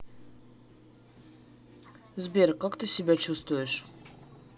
сбер как ты себя чувствуешь